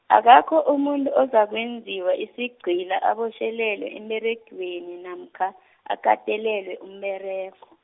akakho umuntu ozakwenziwa isigcila abotjhelelwe emberegweni namkha, akatelelwe umberego.